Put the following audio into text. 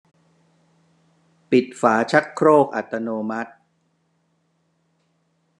ปิดฝาชักโครกอัตโนมัติ